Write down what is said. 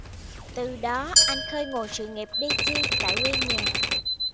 từ đó anh khơi nguồn sự nghiệp dj tại quê nhà